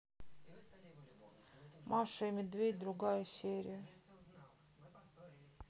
маша и медведь другая серия